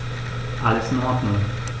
Alles in Ordnung.